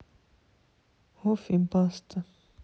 гуф и баста